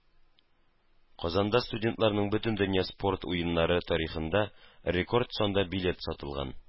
Казанда студентларның Бөтендөнья спорт Уеннары тарихында рекорд санда билет сатылган.